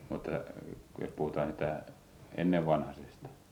mutta kun jos puhutaan siitä ennenvanhaisesta